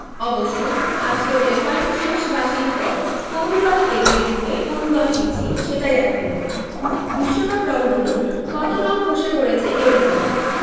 অবশ্য আজকের রেফারির শেষ বাঁশির পর কোন দল এগিয়ে থাকে কোন দল পিছিয়ে সেটিই এখন মুখ্য বিশ্বকাপ রংধনুর কত রং খসে পড়েছে এরই মধ্যে